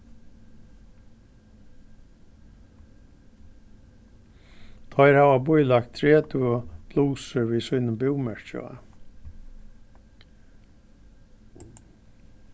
teir hava bílagt tretivu blusur við sínum búmerki á